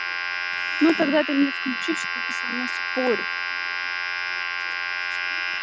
ну тогда ты мне включить что ты со мной споришь